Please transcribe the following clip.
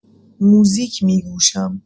موزیک می‌گوشم